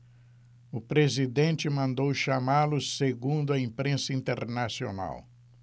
o presidente mandou chamá-lo segundo a imprensa internacional